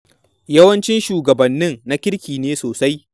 Yawancin shugabannin na kirki ne sosai.